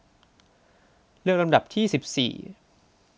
เลือกลำดับที่สิบสี่